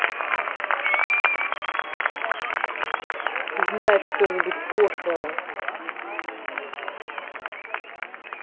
ты знаешь что нибудь пошлое